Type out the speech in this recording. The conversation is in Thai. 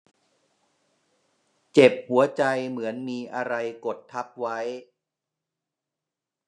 เจ็บหัวใจเหมือนมีอะไรมีกดทับไว้